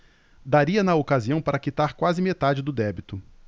daria na ocasião para quitar quase metade do débito